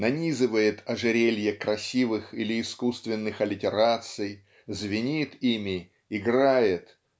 нанизывает ожерелье красивых или искусственных алитераций звенит ими играет